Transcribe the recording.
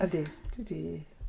Ydy. Dwi 'di...